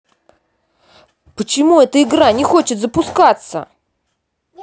почему эта игра не хочет запускаться